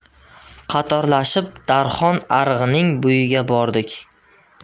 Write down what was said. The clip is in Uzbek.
qatorlashib darhon arig'ining bo'yiga bordik